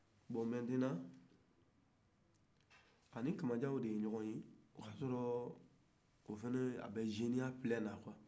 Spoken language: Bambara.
bɔn maintenant ani kamadjan de ye ɲɔgɔn ye o y'a sɔrɔ o bɛ zeniya pilɛn quoi